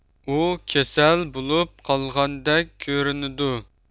ئۇ كېسەل بولۇپ قالغاندەك كۆرۈنىدۇ